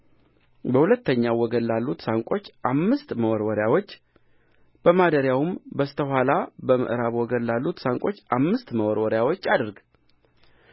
በሁለተኛው ወገን ላሉት ሳንቆች አምስት መወርወሪያዎች በማደሪያውም በስተ ኋላ በምዕራብ ወገን ላሉት ሳንቆች አምስት መወርወሪያዎች አድርግ